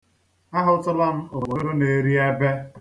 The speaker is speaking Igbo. Ahụtụla m obodo na-eri ebe.